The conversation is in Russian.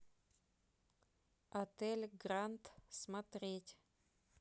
отель грант смотреть